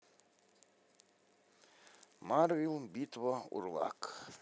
марвел битва урлак